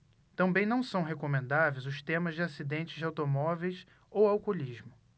também não são recomendáveis os temas de acidentes de automóveis ou alcoolismo